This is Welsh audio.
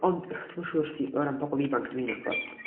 Ond, dwi'm yn siŵr, 'sti, o ran pobl ifanc dwi'n nabod.